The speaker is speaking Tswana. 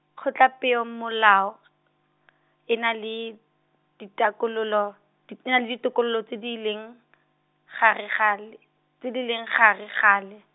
Kgotlapeomolao , e na le, ditakololo- di-, e na ditokololo tse di leng, gare ga le, tse di leng gare gale.